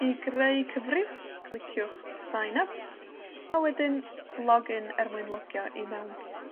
I greu cyfrif, cliciwch sign up. A wedyn login er mwyn logio i mewn.